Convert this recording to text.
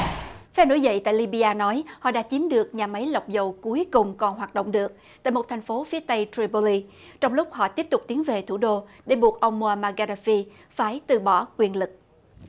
phe nổi dậy tại li bi a nói họ đã chiếm được nhà máy lọc dầu cuối cùng còn hoạt động được một thành phố phía tây tri pô li trong lúc họ tiếp tục tiến về thủ đô để buộc ông mô a ma ghe đơ phi phải từ bỏ quyền lực